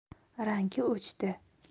rangi o'chdi